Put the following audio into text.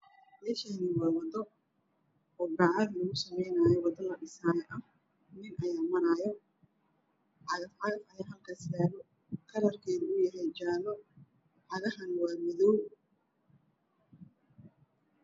Meshan waa wado obacad Lagusamey nayo wadoladhisayoahwil ayamarayo cagaf cagah ayaa halkasyalo kalarkedu uyahay jalocagahana waamadow